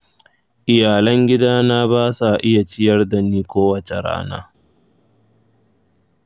iyalan gidana ba sa iya ciyar da ni kowace rana.